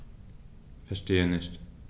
Verstehe nicht.